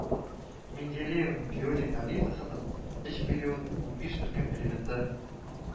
Менделеевның периодик таблицасының өч период, унбиш төркем элементы